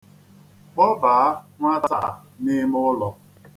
Kpọbaa nwata a n'ime ụlọ.